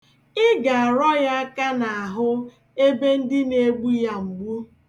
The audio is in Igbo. Ị ga-arọ ya aka n'ahụ ebe ndị na-egbu ya mgbu.